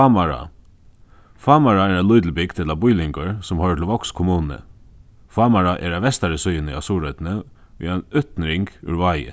fámará fámará er ein lítil bygd ella býlingur sum hoyrir til vágs kommunu fámará er á vestaru síðuni á suðuroynni í ein útnyrðing úr vági